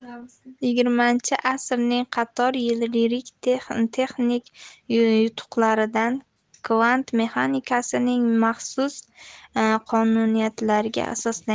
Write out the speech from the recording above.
xx asrning qator yirik texnik yutuqlari kvant mexanikasining maxsus qonuniyatlariga asoslangan